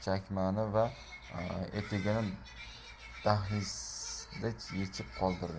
chakmoni va etigini dahlizda yechib qoldirdi